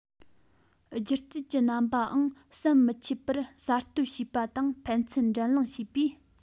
སྒྱུ རྩལ གྱི རྣམ པའང ཟམ མི འཆད པར གསར གཏོད བྱས པ དང ཕན ཚུན འགྲན གླེང བྱས པས